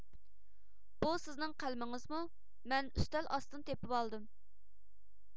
بۇ سىزنىڭ قەلىمىڭىزمۇ مەن ئۈستەل ئاستىدىن تېپىۋالدىم